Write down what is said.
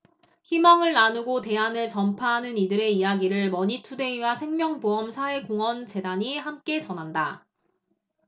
희망을 나누고 대안을 전파하는 이들의 이야기를 머니투데이와 생명보험사회공헌재단이 함께 전한다